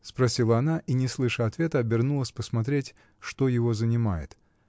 — спросила она и, не слыша ответа, обернулась посмотреть, что его занимает.